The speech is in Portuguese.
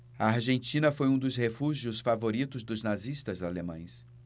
a argentina foi um dos refúgios favoritos dos nazistas alemães